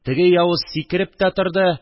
Теге явыз сикереп тә торды